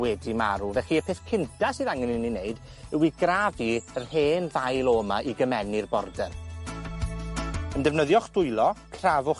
wedi marw. Felly, y peth cynta sydd angen i ni wneud yw i grafu yr hen ddail o 'ma i gymennu'r border. Yn defnyddio'ch dwylo, crafwch